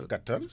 kattan